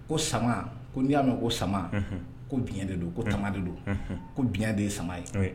Ko sama ko n'i y'a nɔ ko sama ko bi de don ko tama de do ko de ye sama ye